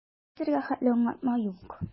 Хәзергә хәтле аңлатма юк.